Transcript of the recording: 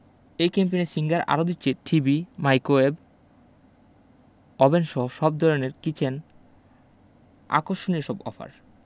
এই ক্যাম্পেইনে সিঙ্গার আরো দিচ্ছে টিভি মাইকোয়েভ ওভেনসহ সব ধরনের কিচেন আকর্ষণীয় সব অফার